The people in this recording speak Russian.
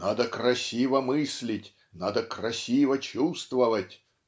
Надо красиво мыслить, надо красиво чувствовать